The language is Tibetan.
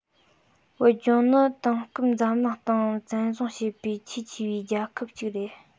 བོད ལྗོངས ནི དེང སྐབས འཛམ གླིང སྟེང བཙན བཟུང བྱེད པའི ཆེས ཆེ བའི རྒྱལ ཁབ ཅིག རེད